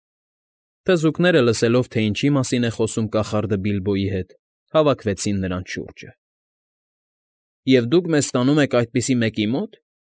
Թզուկները, լսելով, թե ինչի մասին է խոսում կախարդը Բիլբոյի հետ, հավաքվեցին նրանց շուրջը։ ֊ Եվ դուք մեզ տանում եք այդպիսի մեկի մո՞տ։